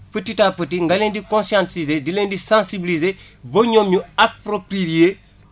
petit à petit nga leen di conscientiser di leen di sensibiliser ba ñoom ñu approprier